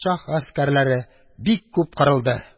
Мәхмүд шаһ гаскәрләре бик күп кырылды.